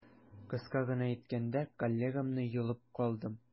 Кыска гына әйткәндә, коллегамны йолып калдым.